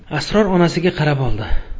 sror onasiga qarab oldi